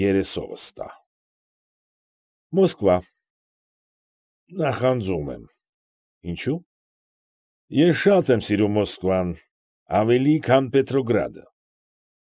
Երեսովս տա։ ֊ Մոսկվա։ ֊ Նախանձում եմ։ ֊ Ինչո՞ւ։ ֊ Ես շատ եմ սիրում Մոսկվան, ավելի քան Պետրոգրադը։